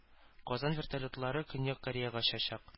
Казан вертолетлары Көньяк Кореяга очачак